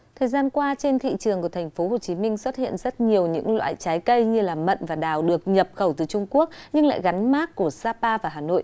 thời gian qua trên thị trường của thành phố hồ chí minh xuất hiện rất nhiều những loại trái cây như là mận và đào được nhập khẩu từ trung quốc nhưng lại gắn mác của sa pa và hà nội